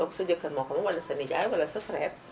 donc sa jëkkër moo ko moom walla sa nijaay walla sa frère